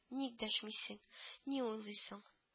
Ник дәшмисең? ни уйлыйсың